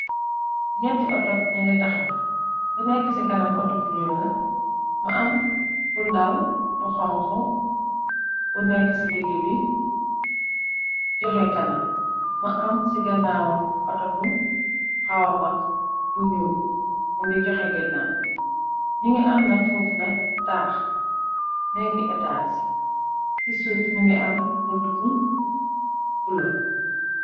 Ñetti auto ñi ngi taxaw, bu nekk ci kanam auto bu ñuul la, mu am bu ndaw bu xonxu bu nekk ci digg bi, joxe kanam, mu am ci gannaawam auto bu xawa mag bu ñuul, mingi joxe ganaaw, ñi ngi am nak fouf nak taax, neegi etaas, ci suuf mi ngi am buntu bu bula.